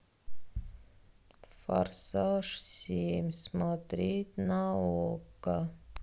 форсаж семь смотреть на окко